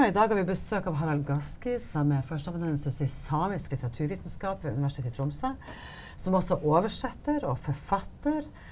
og i dag har vi besøk av Harald Gaski som er førsteamanuensis i samisk litteraturvitenskap ved Universitetet i Tromsø som også oversetter og forfatter.